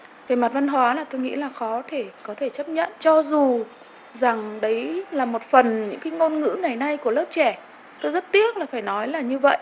về mặt văn hóa là tôi nghĩ là khó thể có thể chấp nhận cho dù rằng đấy là một phần những cái ngôn ngữ ngày nay của lớp trẻ tôi rất tiếc là phải nói là như vậy